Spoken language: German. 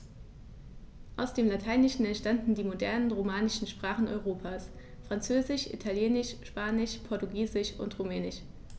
Aus dem Lateinischen entstanden die modernen „romanischen“ Sprachen Europas: Französisch, Italienisch, Spanisch, Portugiesisch und Rumänisch.